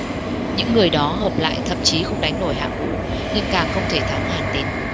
những người đó hợp lại thậm chí không đánh nổi hạng vũ nên càng không thể thắng hàn tín